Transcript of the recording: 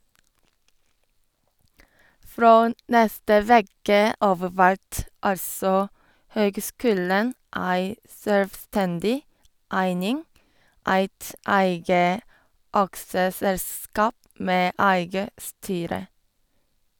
Frå neste veke av vert altså høgskulen ei sjølvstendig eining, eit eige aksjeselskap med eige styre.